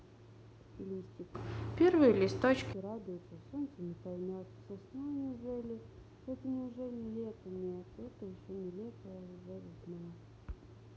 листик первые листочки радуются солнце не поймет сосна неужели это неужели лето нет еще нелепая уже весна